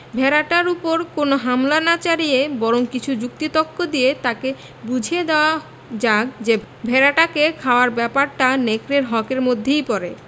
ভেড়াটার উপর কোন হামলা না চালিয়ে বরং কিছু যুক্তি তক্ক দিয়ে সেটাকে বুঝিয়ে দেওয়া যাক যে ভেড়াটাকে খাওয়ার ব্যাপারটা নেকড়ের হক এর মধ্যেই পড়ে